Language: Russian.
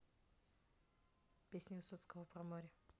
песни высоцкого про море